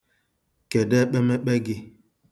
Kedụ ekpemekpe gị?